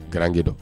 Garanranke dɔ